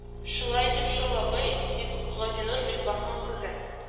– шулай шул, абый, – дип, газинур мисбахның сүзен